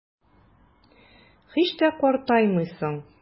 Һич тә картаймыйсың.